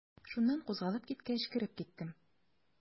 Шуннан кузгалып киткәч, кереп киттем.